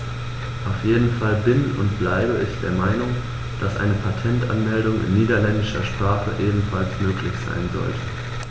Auf jeden Fall bin - und bleibe - ich der Meinung, dass eine Patentanmeldung in niederländischer Sprache ebenfalls möglich sein sollte.